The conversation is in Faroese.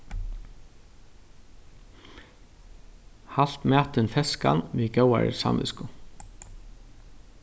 halt matin feskan við góðari samvitsku